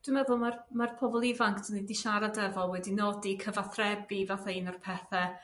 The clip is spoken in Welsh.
Dwi'n meddwl ma'r ma'r pobol ifanc 'dyn ni 'di siarad efo wedi nodi cyfathrebu fatha un o'r pethe